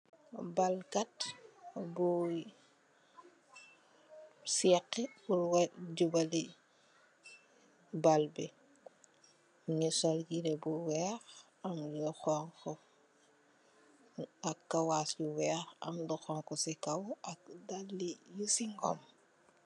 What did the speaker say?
Ballkaat buoy sèkhe purr wal jubali ball bi. Mungi sol yiré bu weeh am lu honku ak kawaas yu weeh, am lu honku ci kaw ak daal yu cigum.